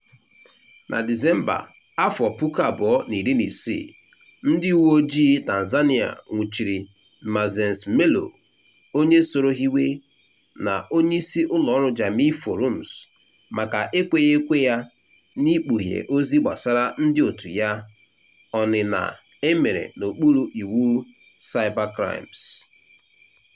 Na Disemba 2016, ndị uweojii Tanzania nwụchiri Maxence Melo, onye soro hiwe, na onyeisi ụlọọrụ Jamii Forums, maka ekweghị ekwe ya n'ikpughe ozi gbasara ndị òtù ya, ọnịna e mere n'okpuru Iwu Cybercrimes.